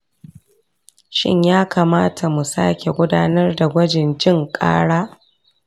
shin ya kamata mu sake gudanar da gwajin jin kara?